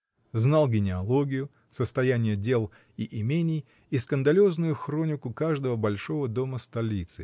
Знал генеалогию, состояние дел и имений и скандалёзную хронику каждого большого дома столицы